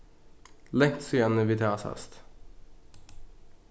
langt síðani vit hava sæst